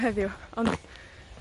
heddiw, ond,